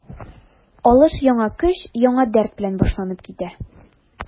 Алыш яңа көч, яңа дәрт белән башланып китә.